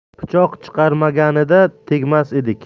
pichoq chiqarmaganida tegmas edik